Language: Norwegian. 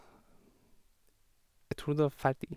Jeg tror det var ferdig.